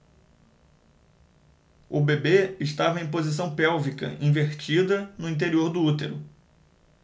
o bebê estava em posição pélvica invertida no interior do útero